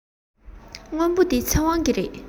སྔོན པོ འདི ཚེ དབང གི རེད